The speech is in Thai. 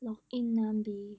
ล็อกอินนามบี